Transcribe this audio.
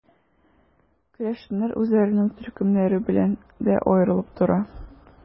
Керәшеннәр үзләренең төркемнәре белән дә аерылып тора.